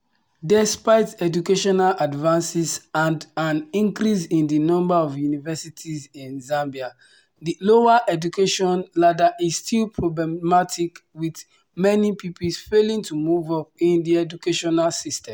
Despite educational advances and an increase in the number of universities in Zambia, the lower education ladder is still problematic with many pupils failing to move up in the educational system.